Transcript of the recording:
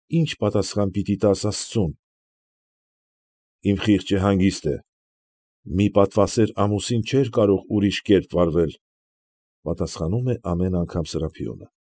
Ի՞նչ է պատասխան պիտի տաս աստծուն։ ֊ Իմ խիղճը հանգիստ է, մի պատվասեր ամուսին չէր կարող ուրիշ կերպ վարվել,֊պատասխանում է ամեն անգամ Սրափիոնը։